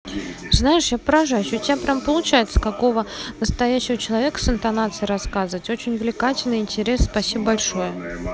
знаешь я поражаюсь у тебя прям получается какого настоящего человека с интонацией рассказывать очень увлекательно и интересно спасибо большое